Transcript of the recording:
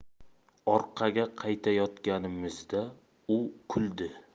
orqaga qaytayotganimizda u kuldi